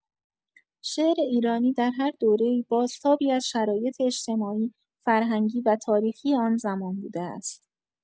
شعر ایرانی در هر دوره‌ای بازتابی از شرایط اجتماعی، فرهنگی و تاریخی آن‌زمان بوده است.